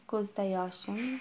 ko'zda yoshim